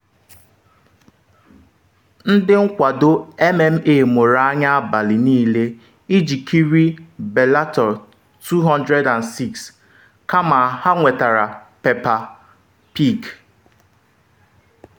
Ndị nkwado MMA mụrụ anya abalị niile iji kiri Bellator 206, kama ha nwetara Peppa Pig